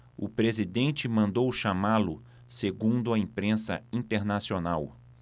o presidente mandou chamá-lo segundo a imprensa internacional